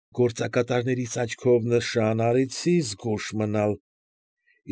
Գործակատարներիս աչքով նշան արի զգույշ մնալ։